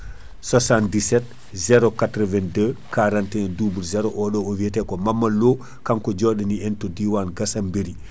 77 082 41 00 Oɗo o wiyate ko Mamadou Lo kanko joɗani en to gassambiri